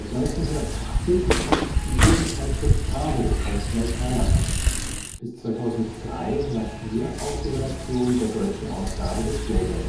1980 kommt die Jugendzeitschrift Bravo aus Neuperlach, bis 2003 war hier auch die Redaktion der deutschen Ausgabe des Playboy